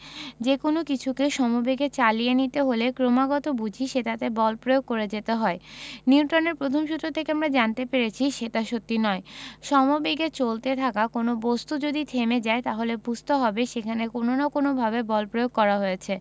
যেকোনো কিছুকে সমবেগে চালিয়ে নিতে হলে ক্রমাগত বুঝি সেটাতে বল প্রয়োগ করে যেতে হয় নিউটনের প্রথম সূত্র থেকে আমরা জানতে পেরেছি সেটা সত্যি নয় সমবেগে চলতে থাকা কোনো বস্তু যদি থেমে যায় তাহলে বুঝতে হবে সেখানে কোনো না কোনোভাবে বল প্রয়োগ করা হয়েছে